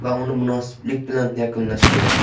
va uni munosiblik bilan yakunlash kerak